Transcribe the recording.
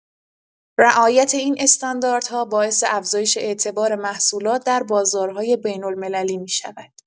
رعایت این استانداردها باعث افزایش اعتبار محصولات در بازارهای بین‌المللی می‌شود.